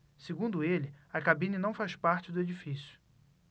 segundo ele a cabine não faz parte do edifício